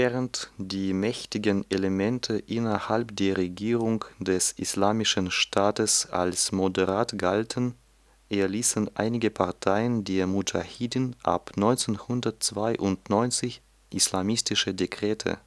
Während die mächtigen Elemente innerhalb der Regierung des Islamischen Staates als moderat galten, erließen einige Parteien der Mudschahidin ab 1992 islamistische Dekrete